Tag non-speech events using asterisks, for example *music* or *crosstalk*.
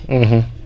*hesitation* *hesitation*